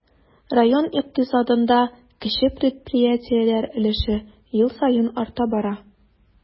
Район икътисадында кече предприятиеләр өлеше ел саен арта бара.